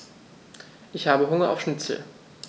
Ich habe Hunger auf Schnitzel.